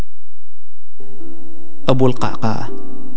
ابو القعقاع